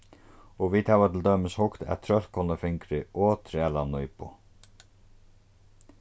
og vit hava til dømis hugt at trøllkonufingri og trælanípu